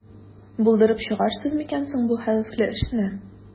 Булдырып чыгарсыз микән соң бу хәвефле эшне?